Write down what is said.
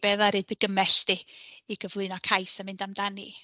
Be oedd wedi dy gymell di i gyflwyno cais a mynd amdani?